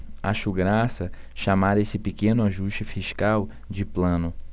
acho graça chamar esse pequeno ajuste fiscal de plano